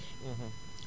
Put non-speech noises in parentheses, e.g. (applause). (hesitation) (hesitation)